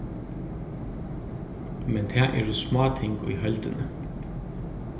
men tað eru smáting í heildini